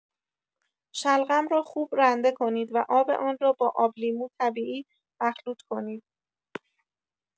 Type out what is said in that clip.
شلغم را خوب رنده کنید و آب آن را با آبلیمو طبیعی مخلوط کنید